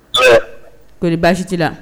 Koɔri baasi ci la